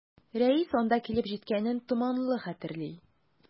Рәис анда килеп җиткәнен томанлы хәтерли.